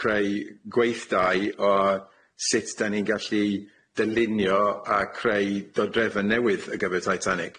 creu gweithdai o sut dan ni'n gallu dylunio a creu dodrefa newydd ar gyfer Titanic.